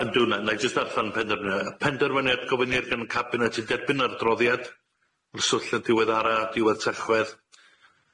Yy yndw 'nai jyst ddarllan penderfyniad, yy penderfyniad gofyn i'r gyn cabinet i derbyn yr adroddiad, swllt y diweddara a diwedd Tachwedd.